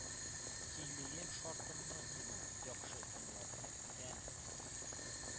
— сөйлием шартымны сиңа, яхшы тыңлап тор: әнә